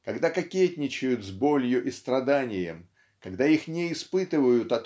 Когда кокетничают с болью и страданием когда их не испытывают